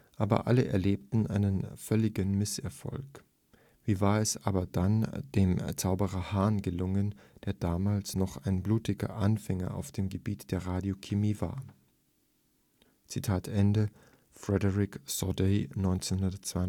Aber alle erlebten einen völligen Misserfolg. Wie war es aber dann dem Zauberer Hahn gelungen, der damals noch ein blutiger Anfänger auf dem Gebiet der Radiochemie war? “– Frederick Soddy (1952